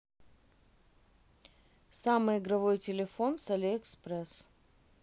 самый игровой телефон с алиэкспресс